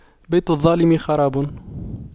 بيت الظالم خراب